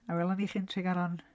A wela ni chi'n Tregaron.